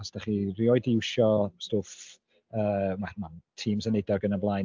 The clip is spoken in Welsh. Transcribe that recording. os dach chi erioed 'di iwsio stwff yy ma' Teams yn wneud o ac yn y blaen.